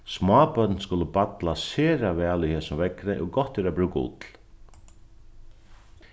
smábørn skulu ballast sera væl í hesum veðri og gott er at brúka ull